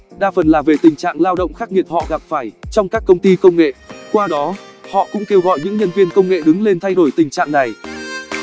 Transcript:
đa phần là về tình trạng lao động khắc nghiệt họ gặp phải trong các công ty công nghệ qua đó họ cũng kêu gọi những nhân viên công nghệ đứng lên thay đổi tình trạng này